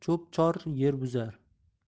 cho'p chor yer buzar